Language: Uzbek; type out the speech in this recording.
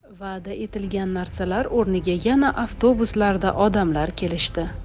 va'da etilgan narsalar o'rniga yana avtobuslarda odamlar kelishdi